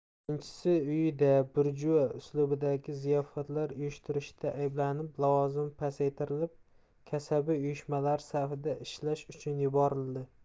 birinchisi uyida burjua uslubidagi ziyofatlar uyushtirishda ayblanib lavozimi pasaytirilib kasaba uyushmalari safida ishlash uchun yuborildi